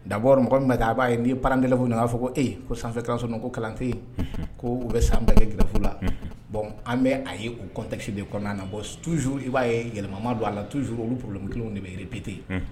D'aabord mɔgɔ min taa ,a b'a ye ni parents d'élèves ninnu b'a fɔ ko e ko sanfɛ kalanso ninnu ko kalan tɛ yen; Unhun; ko u bɛ san bɛɛ kɛ grève la; Unhun; bon an bɛ a ye o contexte de kɔnɔna na bon toujours i b'a ye yɛlɛma don a la toujours olu problème kelenw de bɛ répété ;Unhun.